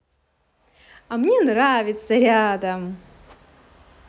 а мне нравится рядом